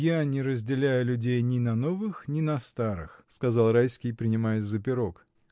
— Я не разделяю людей ни на новых, ни на старых, — сказал Райский, принимаясь за пирог.